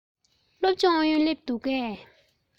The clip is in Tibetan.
སློབ སྦྱོང ཨུ ཡོན སླེབས འདུག གས